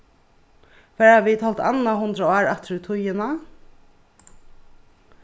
fara vit hálvt annað hundrað ár aftur í tíðina